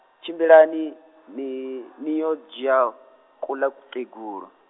tshimbilani ni, niyo dzhia, kuḽa kukegulu.